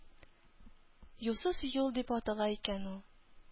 «юлсыз юл» дип атала икән ул.